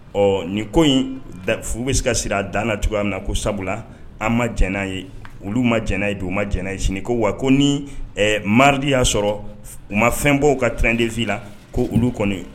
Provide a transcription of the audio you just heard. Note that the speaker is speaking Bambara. Ɔ nin ko in fu bɛ se ka siri a dan na cogoya min na ko sabula an ma jɛn n'a ye, olu ma jɛn n'a ye bi u ma jɛn na ye sini ko, wa ko ni mardi y'a sɔrɔ u ma fɛn bɔ, u ka terrain de vie la ko olu kɔni